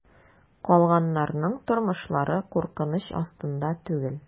Калганнарның тормышлары куркыныч астында түгел.